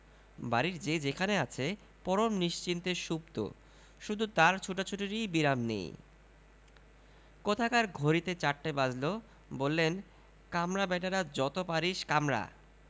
বাড়ির যে সেখানে আছে পরম নিশ্চিন্তে সুপ্ত শুধু তাঁর ছুটোছুটিরই বিরাম নেই কোথাকার ঘড়িতে চারটে বাজলো বললেন কামড়া ব্যাটারা যত পারিস কামড়া